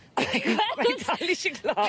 Gweld? Mae'n dal i shiglo.